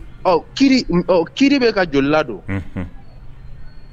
Ɔ kiri bɛ ka joli lado?